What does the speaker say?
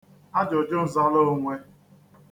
ajụ̀jụǹzalaōnwē